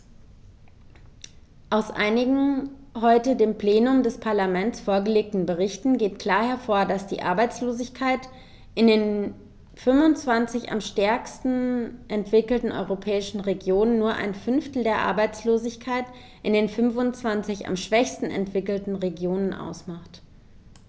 Aus einigen heute dem Plenum des Parlaments vorgelegten Berichten geht klar hervor, dass die Arbeitslosigkeit in den 25 am stärksten entwickelten europäischen Regionen nur ein Fünftel der Arbeitslosigkeit in den 25 am schwächsten entwickelten Regionen ausmacht.